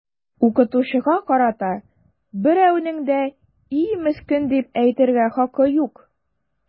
Укытучыга карата берәүнең дә “и, мескен” дип әйтергә хакы юк!